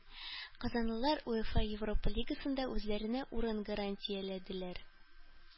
Казанлылар УЕФА Европа Лигасында үзләренә урын гарантияләделәр.